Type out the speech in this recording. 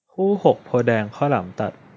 คู่หกโพธิ์แดงข้าวหลามตัด